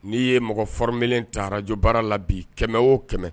N'i ye mɔgɔ fɔrimelen ta arajo baara la bi 100 o 100